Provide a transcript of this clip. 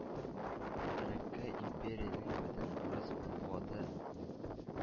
Элекке империянең бөтен урыс матбугаты